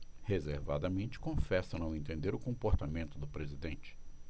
reservadamente confessa não entender o comportamento do presidente